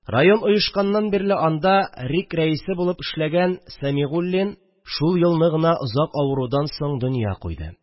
Район оешканнан бирле анда РИК рәисе булып эшләгән Сәмигуллин шул елны гына озак авырудан соң дөнья куйды